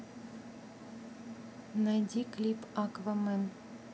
найди фильм аквамен